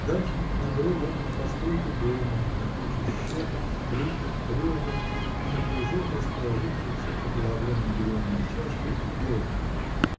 Дальше набрел он на постройку дома, на кучу щепок, стружек, бревен и на кружок расположившихся около огромной деревянной чашки плотников.